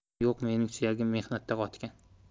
yo'q mening suyagim mehnatda qotgan